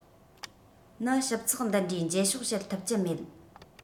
ནི ཞིབ ཚགས འདི འདྲའི འབྱེད ཕྱོད བྱེད ཐུབ ཀྱི མེད